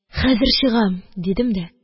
– хәзер чыгам! – дидем дә,